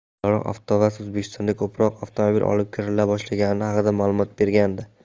avvalroq avtovaz o'zbekistonga ko'proq avtomobil olib kirila boshlangani haqida ma'lumot bergandi